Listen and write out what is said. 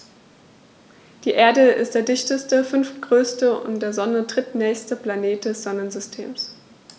Die Erde ist der dichteste, fünftgrößte und der Sonne drittnächste Planet des Sonnensystems.